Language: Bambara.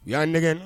Yan nɛgɛ